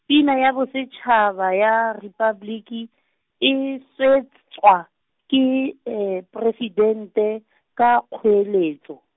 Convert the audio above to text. pina ya bosetšhaba ya Rephaboliki, e swet- tswa, ke Poresidente, ka kgoeletso.